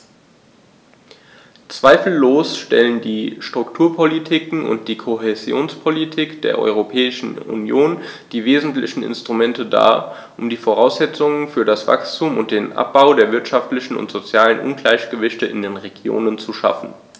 Zweifellos stellen die Strukturpolitiken und die Kohäsionspolitik der Europäischen Union die wesentlichen Instrumente dar, um die Voraussetzungen für das Wachstum und den Abbau der wirtschaftlichen und sozialen Ungleichgewichte in den Regionen zu schaffen.